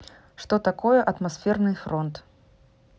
что такое атмосферный фронт